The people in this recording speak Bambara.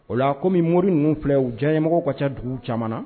Ola comme mori ninnu filɛ u diyamɔgɔ ka ca duguw caamanan